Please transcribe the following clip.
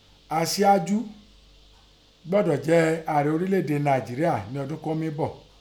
Aṣíájú gbọdọ̀ jẹ ààrẹ orílẹ̀ èdè Nàìjéríà ní ọdún kọ́ mí bọ̀